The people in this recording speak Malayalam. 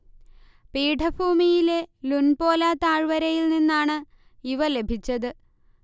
പീഠഭൂമിയിലെ ലുൻപോല താഴ്വരയിൽ നിന്നാണ് ഇവ ലഭിച്ചത്